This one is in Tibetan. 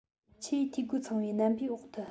ཆེས འཐུས སྒོ ཚང བའི རྣམ པའི འོག ཏུ